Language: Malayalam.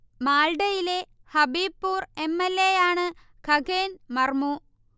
മാൽഡയിലെ ഹബീബ്പൂർ എം. എൽ. എ. യാണ് ഖഗേൻ മർമു